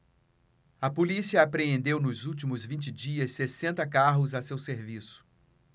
a polícia apreendeu nos últimos vinte dias sessenta carros a seu serviço